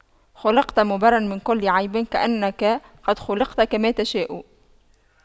خلقت مُبَرَّأً من كل عيب كأنك قد خُلقْتَ كما تشاء